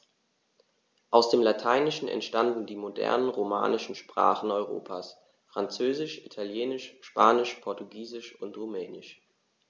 Aus dem Lateinischen entstanden die modernen „romanischen“ Sprachen Europas: Französisch, Italienisch, Spanisch, Portugiesisch und Rumänisch.